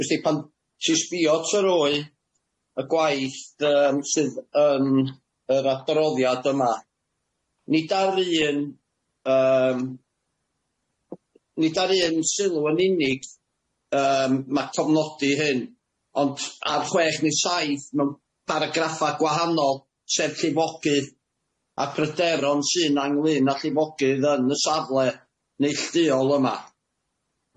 Wsti pan ti sbïo at yr oe y gwaith yym sydd yn yr adroddiad yma, nid ar un yym nid ar un sylw yn unig yym ma' cofnodi hyn ond ar chwech neu saith mewn paragraffa' gwahanol sef llifogydd a pryderon sy na'n ynglyn a llifogydd yn y safle neilltuol yma.